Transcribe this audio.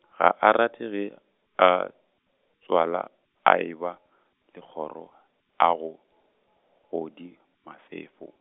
ga a rate ge a, tswala a eba, le kgoro, a go godi Mafefo.